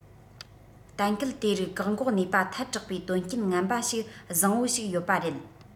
གཏན འཁེལ དེ རིགས བཀག འགོག ནུས པ ཐལ དྲགས པའི དོན རྐྱེན ངན པ ཞིག བཟང བོ ཞིག ཡོད པ རེད